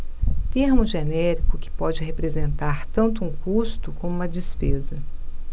termo genérico que pode representar tanto um custo como uma despesa